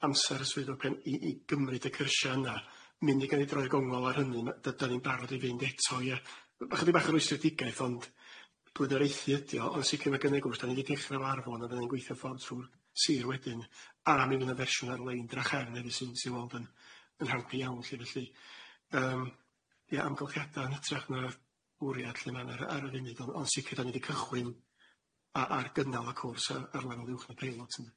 amsar y swyddfa pen- i i gymryd y cyrsia yna munu gani droi y gongol ar hynny ma' dydan ni'n barod i fynd eto ie yy, chydig bach o'r rwystredigaeth ond blaenoriaethu ydi o ond sicir ma' gynnydd gwrs dan ni di dechre o Arfon a fyddwn ni'n gweithio ffordd trw'r Sir wedyn a mi fy na fersiwn ar-lein drach efn hefyd sy'n sy'n weld yn yn handi iawn lly felly yym ie amgylchiada yn hytrach na'r wriad lle ma'n ar ar y funud on' on' sicir dan ni di cychwyn a- ar gynnal y cwrs yy ar lefel uwch na preilot.